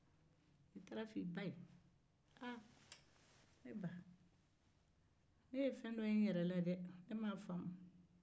i bɛ taa fɔ i ba ye ko i ye fɛn dɔ ye i yɛrɛ la